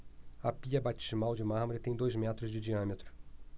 a pia batismal de mármore tem dois metros de diâmetro